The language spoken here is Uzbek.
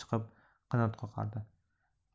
qanot qoqardi